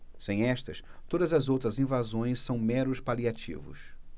sem estas todas as outras invasões são meros paliativos